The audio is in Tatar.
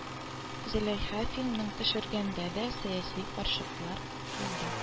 Зөләйха фильмын төшергәндә дә сәяси каршылыклар булды